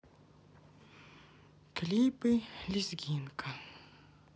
клипы лезгинка